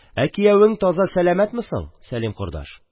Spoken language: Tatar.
Ә киявең таза-сәләмәтме соң, Сәлим кордаш?